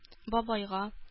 Бабайга